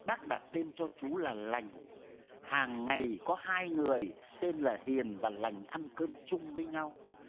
bác đặt tên cho chú là lành hàng ngày có hai người tên là hiền và lành ăn cơm chung với nhau